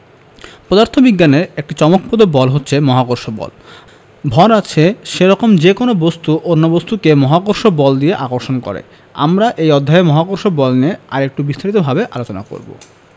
পদার্থবিজ্ঞানের একটি চমকপ্রদ বল হচ্ছে মহাকর্ষ বল ভর আছে সেরকম যেকোনো বস্তু অন্য বস্তুকে মহাকর্ষ বল দিয়ে আকর্ষণ করে আমরা এই অধ্যায়ে মহাকর্ষ বল নিয়ে আরেকটু বিস্তারিতভাবে আলোচনা করব